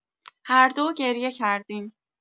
هر دو گریه کردیم.